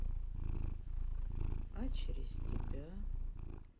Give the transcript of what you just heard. а через тебя